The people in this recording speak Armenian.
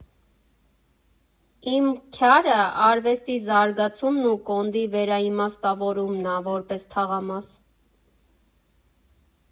Իմ քյարը արվեստի զարգացումն ու Կոնդի վերաիմաստավորումն ա որպես թաղամաս։